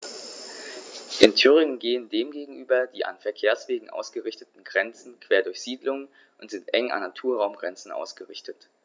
In Thüringen gehen dem gegenüber die an Verkehrswegen ausgerichteten Grenzen quer durch Siedlungen und sind eng an Naturraumgrenzen ausgerichtet.